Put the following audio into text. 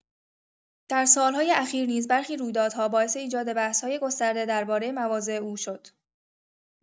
در سال‌های اخیر نیز برخی رویدادها باعث ایجاد بحث‌های گسترده درباره مواضع او شد.